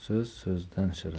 so'z so'zdan shirin